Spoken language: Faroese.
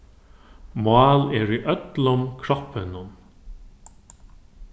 mál er í øllum kroppinum